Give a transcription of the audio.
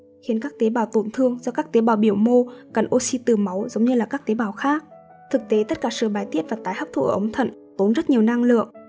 điều này khiến các tế bào tổn thương do các tế bào biểu mô cần oxy từ máu giống như các tế bào khác thực tế tất cả sự bài tiết và tái hấp thu ở ống thận tốn rất nhiều năng lượng